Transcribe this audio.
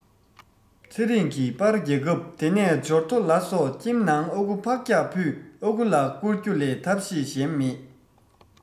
ཚེ རིང གི པར བརྒྱབ སྐབས དེ ནས འབྱོར ཐོ ལ སོགས ཁྱིམ ནང ཨ ཁུ ཕག སྐྱག ཕུད ཨ ཁུ ལ བསྐུར རྒྱུ ལས ཐབས ཤེས གཞན མེད